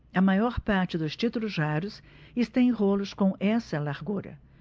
a maior parte dos títulos raros está em rolos com essa largura